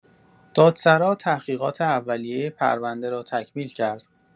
دادسرا تحقیقات اولیه پرونده را تکمیل کرد.